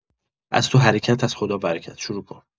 از تو حرکت از خدا برکت، شروع کن.